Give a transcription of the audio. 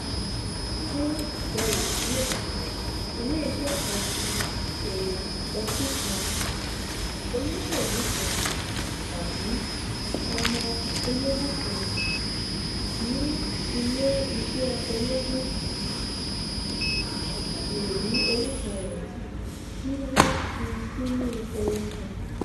Fún dọ́là díẹ̀, "ilé iṣẹ́ kan, ẹ̀yà ọtí kan, olóṣèlú kan, tàbí ọmọ ológun kan ní ilé iṣẹ́ ológun" le rí orúkọ rẹ̀ tí wọ́n fi sínú orin kan.